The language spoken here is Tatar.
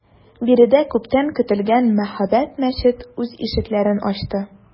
Биредә күптән көтелгән мәһабәт мәчет үз ишекләрен ачты.